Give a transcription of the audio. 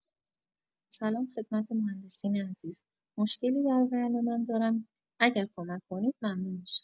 سلام خدمت مهندسین عزیز، مشکلی در برنامم دارم اگر کمک کنید ممنون می‌شم.